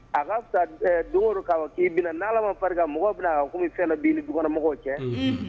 A k' don k'a k'i bɛna alama fari mɔgɔ bɛna ko bɛ fɛn b' ni dugukɔnɔmɔgɔ cɛ